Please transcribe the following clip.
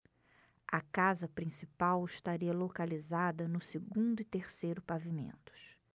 a casa principal estaria localizada no segundo e terceiro pavimentos